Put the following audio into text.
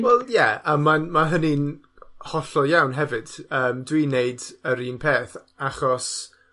Wel ie, a ma'n, mae hynny'n hollol iawn, hefyd, yym dwi'n neud yr un peth, achos